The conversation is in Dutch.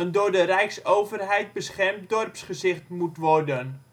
door de rijksoverheid beschermd dorpsgezicht moet worden